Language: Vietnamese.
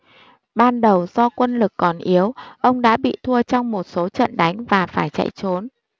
ban đầu do quân lực còn yếu ông đã bị thua trong một số trận đánh và phải chạy trốn